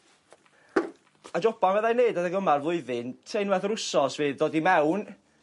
A joban fyddai neud adeg yma'r flwyddyn tua unwaith yr wsos fydd dod i mewn,